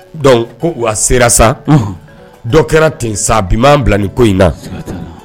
Donc ko u wa sera sa unhun dɔ kɛra ten sa bi m'an bila nin ko in na siga t'a la